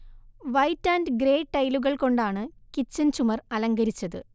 white and grey ടൈലുകൾ കൊണ്ടാണ് kitchen ചുമർ അലങ്കരിച്ചത്